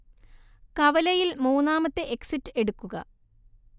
കവലയിൽ മൂന്നാമത്തെ എക്സിറ്റ് എടുക്കുക